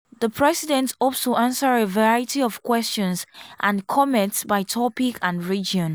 The President hopes to answer a variety of questions and comments by topic and region.